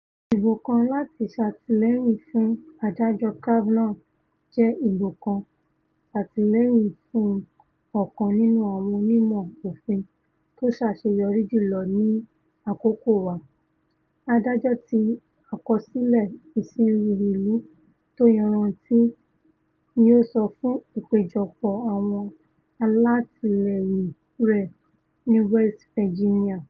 Ìbò kan láti ṣàtìlẹ́yìn fún Adájọ́ Kavanaugh jẹ́ ìbò kan ṣàtìlẹ́yìn fún ọ̀kan nínú àwọn onímọ òfin tó ṣàṣeyọrí jùlọ ni àkokó wa, adájọ́ tí àkọsílẹ̀ ìsìnrú ìlú tó yanranntí,'' ní ó sọ fún ìpéjọpọ̀ àwọn alátìlẹ́yìn rẹ̀ ní West Virginia.